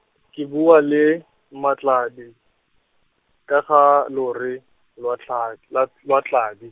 ke bua le, Mmatladi, ka ga lore, lwa Tlad-, lwa lwa Tladi.